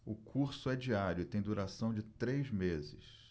o curso é diário e tem duração de três meses